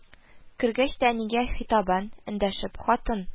Кергәч тә, әнигә хитабән [эндәшеп]: "Хатын